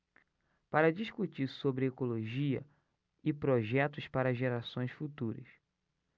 para discutir sobre ecologia e projetos para gerações futuras